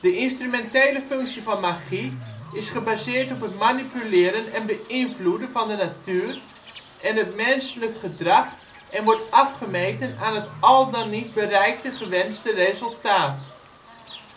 instrumentele functie van magie is gebaseerd op het manipuleren en beïnvloeden van de natuur en het menselijk gedrag en wordt afgemeten aan het al dan niet bereikte gewenste resultaat.